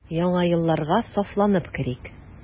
Яңа елларга сафланып керик.